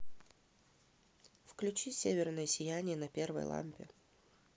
включи северное сияние на первой лампе